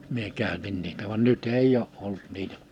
minä käytin niitä vaan nyt ei ole ollut niitä